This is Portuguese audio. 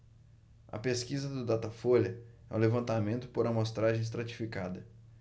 a pesquisa do datafolha é um levantamento por amostragem estratificada